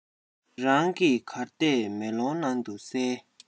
རང གིས གར བལྟས མེ ལོང ནང དུ གསལ